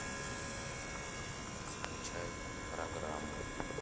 скачай программу